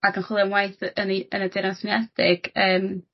ac yn chwilio am waith y- yn 'i yn y Deyrnas Unedig yym